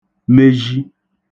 mezhi